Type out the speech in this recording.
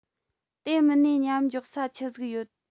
དེ མིན ནས མཉམ འཇོག ས ཆི ཟིག ཡོད